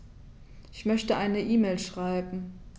Ich möchte eine E-Mail schreiben.